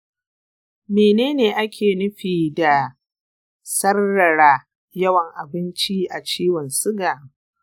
mene ake nufi da sarrara yawan abinci a ciwon siga?